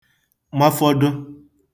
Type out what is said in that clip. mafọdụ